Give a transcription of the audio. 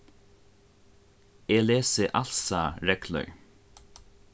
eg lesi als'sa reglur